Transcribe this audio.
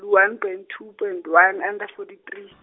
one point two point one under forty three .